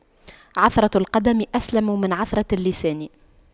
عثرة القدم أسلم من عثرة اللسان